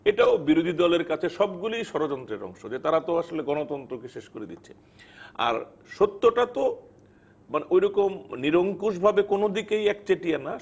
এটাও বিরোধী দলের কাছে সবগুলি ষড়যন্ত্রের অংশ তারা তো আসলে গণতন্ত্র কে শেষ করে দিচ্ছে আর সত্য টা তো ঐরকম নিরঙ্কুশ ভাবে কোন দিকে একচেটিয়া না